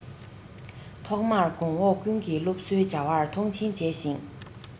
ཐོག མར གོང འོག ཀུན གྱིས སློབ གསོའི བྱ བར མཐོང ཆེན བྱས ཤིང